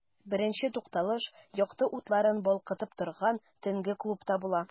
Беренче тукталыш якты утларын балкытып торган төнге клубта була.